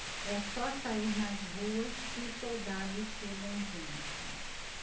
é só sair nas ruas que os soldados chegam junto